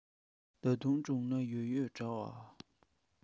ད དུང དྲུང ན ཡོད ཡོད འདྲ བ